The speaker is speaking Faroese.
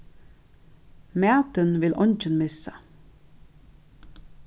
matin vil eingin missa